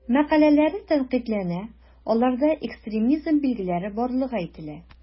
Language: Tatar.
Мәкаләләре тәнкыйтьләнә, аларда экстремизм билгеләре барлыгы әйтелә.